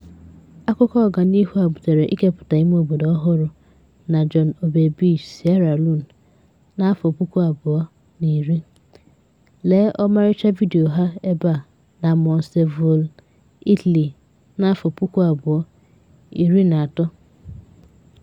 Akụkọ ọganihu a butere ikepụta imeobodo ọhụrụ na John Obey Beach, Sierra Leone na 2010 (Lee ọmarịcha vidiyo ha ebe a) na Monestevole, Italy na 2013.